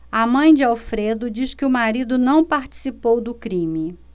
a mãe de alfredo diz que o marido não participou do crime